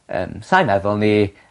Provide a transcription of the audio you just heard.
Yym sai'n meddwl 'ny.